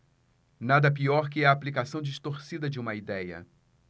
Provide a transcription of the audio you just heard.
nada pior que a aplicação distorcida de uma idéia